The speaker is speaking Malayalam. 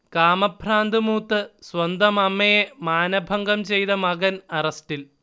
കാമഭ്രാന്ത് മൂത്ത് സ്വന്തം അമ്മയെ മാനഭംഗം ചെയ്ത മകൻ അറസ്റ്റിൽ